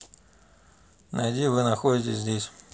найди вы находитесь здесь